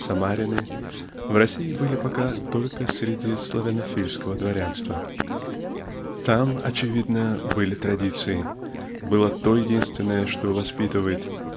Самарины) в России были пока только среди славянофильского дворянства. Там очевидно были традиции было то единственное что воспитывает